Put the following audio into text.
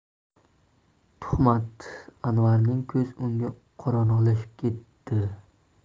tuhmat anvarning ko'z o'ngi qorong'ilashib ketdi